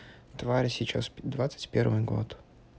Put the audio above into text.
тварь сейчас двадцать первый год